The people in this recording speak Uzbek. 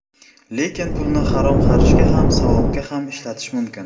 lekin pulni harom xarishga ham savobga ham ishlatish mumkin